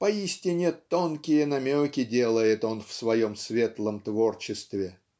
поистине тонкие намеки делает он в своем светлом творчестве.